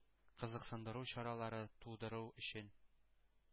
Кызыксындыру чаралары тудыру өчен